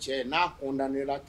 Cɛ n'a o dan ne la